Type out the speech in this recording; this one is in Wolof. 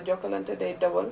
Jokalante day dawal